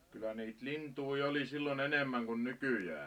kyllä niitä lintuja oli silloin enemmän kuin nykyään